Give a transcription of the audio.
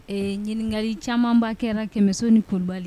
Ee ɲininkali camanba kɛra kɛmɛ nibali